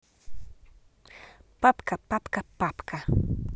папка папка папка